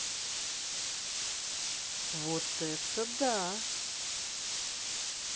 вот это да